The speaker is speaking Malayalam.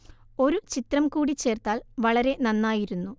ഒരു ചിത്രം കൂടി ചേർത്താൽ വളരെ നന്നായിരുന്നു